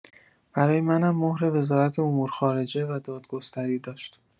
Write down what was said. برای منم مهر وزارت امور خارجه و دادگستری داشت.